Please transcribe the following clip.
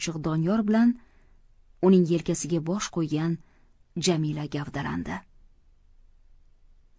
doniyor bilan uning yelkasiga bosh qo'ygan jamila gavdalandi